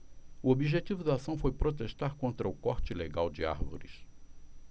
o objetivo da ação foi protestar contra o corte ilegal de árvores